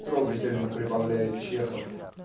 трогательно прибавляет Чехов.